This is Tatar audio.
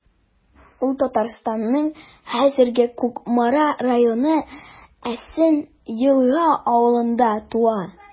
Ул Татарстанның хәзерге Кукмара районы Әсән Елга авылында туа.